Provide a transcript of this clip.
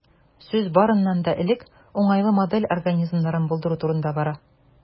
Сүз, барыннан да элек, уңайлы модель организмнарын булдыру турында бара.